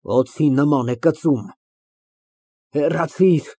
Օձի նման է կծում։ Հեռացիր։